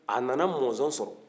a nana mɔnzɔn sɔrɔ